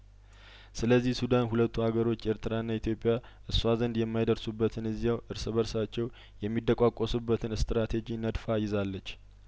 ስለዚህ ሱዳን ሁለቱ አገሮች ኤርትራና ኢትዮጵያእሷ ዘንድ የማይደርሱበትን እዚያው እርስ በርሳቸው የሚደቋቆሱበትን ስትራቴጂ ነድፋ ይዛለች